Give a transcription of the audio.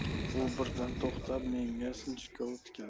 u birdan to'xtab menga sinchkov tikildi